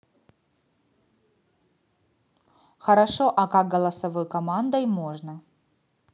хорошо а как голосовой командой можно